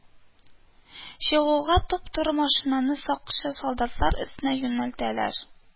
Чыгуга, туп-туры машинаны сакчы солдатлар өстенә юнәлтәләр